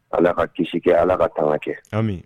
Ala ka kisi kɛ ala ka taama kɛ